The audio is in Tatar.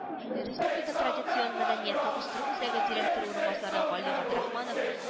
Республика традицион мәдәниятне үстерү үзәге директоры урынбасары Гали Габдрахманов, Л